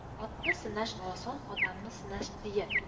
otni sinash oson odamni sinash qiyin